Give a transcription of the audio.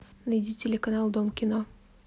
найди телеканал дом кино